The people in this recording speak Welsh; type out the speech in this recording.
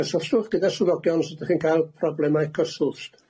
Cyswlltwch gyda swyddogion os ydach chi'n cael problemau cyswllt.